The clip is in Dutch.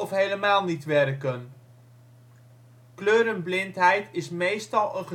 helemaal niet werken. Kleurenblindheid is meestal